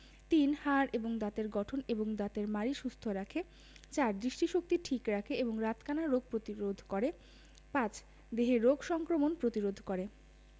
৩. হাড় এবং দাঁতের গঠন এবং দাঁতের মাড়ি সুস্থ রাখে ৪. দৃষ্টিশক্তি ঠিক রাখে এবং রাতকানা রোগ প্রতিরোধ করে ৫. দেহে রোগ সংক্রমণ প্রতিরোধ করে